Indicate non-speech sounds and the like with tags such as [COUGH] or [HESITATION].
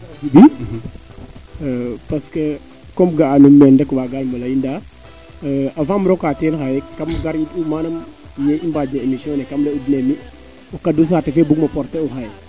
[HESITATION] [HESITATION] parce que comme ga'a num meene rek wagan mo ley ndaa avant im roka teen xaye kam gariid u maana ye i mbaja emission ne kam ley'u dene mi o kadu saate fe bug umo porter u xaye